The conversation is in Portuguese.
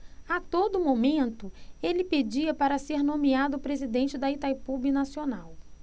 a todo momento ele pedia para ser nomeado presidente de itaipu binacional